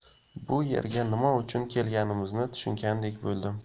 bu yerga nima uchun kelganimizni tushungandek bo'ldim